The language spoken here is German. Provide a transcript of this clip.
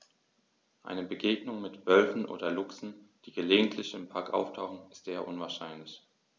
Eine Begegnung mit Wölfen oder Luchsen, die gelegentlich im Park auftauchen, ist eher unwahrscheinlich.